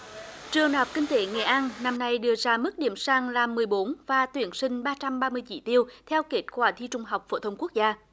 trường đại học kinh tế nghệ an năm nay đưa ra mức điểm sàn là mười bốn và tuyển sinh ba trăm ba mươi chỉ tiêu theo kết quả thi trung học phổ thông quốc gia